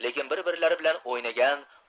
lekin bir birlari bilan o'ynagan